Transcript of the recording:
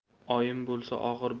oyim bo'lsa og'ir